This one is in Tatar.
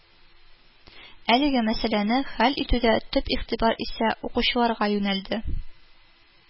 Әлеге мәсьәләне хәл итүдә төп игътибар исә укытучыларга юнәлде